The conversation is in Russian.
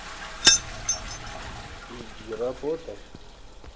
иди работай